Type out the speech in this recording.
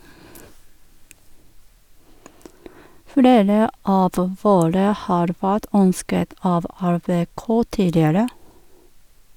- Flere av våre har vært ønsket av RBK tidligere.